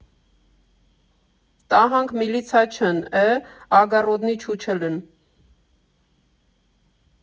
֊Տահանք միլիցա չըն էէէ, ագառոդնի չուչելըն։